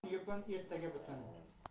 bugun yupun ertaga butun